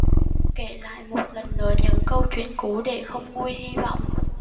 kể lại một lần nữa những câu chuyện cũ để không nguôi hi vọng